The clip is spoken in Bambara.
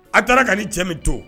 A taara ka ni cɛ min to